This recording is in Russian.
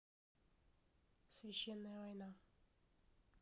священная война